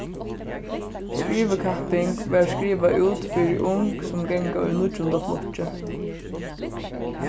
skrivikapping varð skrivað út fyri ung sum ganga í níggjunda flokki